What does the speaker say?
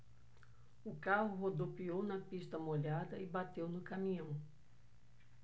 o carro rodopiou na pista molhada e bateu no caminhão